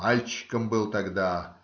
Мальчиком был тогда.